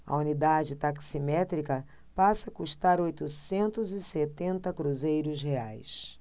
a unidade taximétrica passa a custar oitocentos e setenta cruzeiros reais